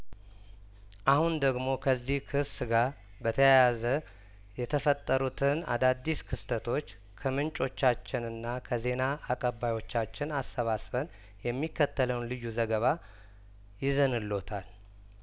አሁን ደግሞ ከዚህ ክስ ጋር በተያያዘ የተፈጠሩትን አዳዲስ ክስተቶች ከምንጮቻችንና ከዜና አቀባዮቻችን አሰባስበን የሚከተለውን ልዩ ዘገባ ይዘንልዎታል